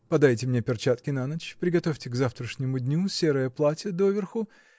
Подайте мне перчатки на ночь, приготовьте к завтрашнему дню серое платье доверху